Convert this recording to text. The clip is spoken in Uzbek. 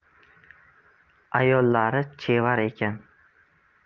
ayollari chevar ekan